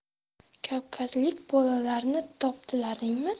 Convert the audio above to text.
kavkazlik bolalarni topdilaringmi